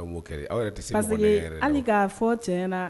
Hali ka fɔ tiɲɛɲɛna